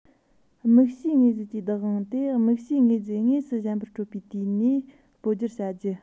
དམིགས བྱའི དངོས རྫས ཀྱི བདག དབང དེ དམིགས བྱའི དངོས རྫས དངོས སུ གཞན པར སྤྲད པའི དུས ནས སྤོ སྒྱུར བྱ རྒྱུ